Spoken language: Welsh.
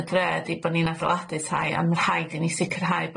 y dre ydi bo' ni'n adeiladu tai a ma' rhaid i ni sicirhau